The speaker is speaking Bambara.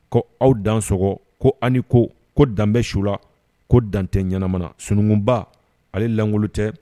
Ko aw dan sɔgɔ ko ani ko, ko dan bɛ su la, ko dan tɛ ɲɛmana, sunukunba ale langolo tɛ